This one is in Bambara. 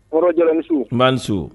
Kɔrɔ ja su kuma su